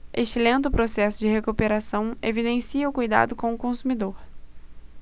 este lento processo de recuperação evidencia o cuidado com o consumidor